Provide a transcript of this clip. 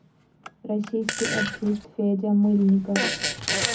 российский артист федя мыльников